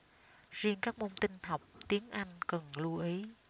riêng các môn tin học tiếng anh cần lưu ý